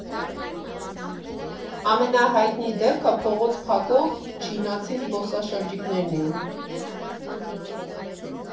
Ամենահայտնի դեպքը փողոց փակող չինացի զբոսաշրջիկներն էին։